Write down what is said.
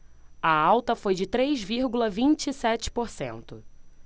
a alta foi de três vírgula vinte e sete por cento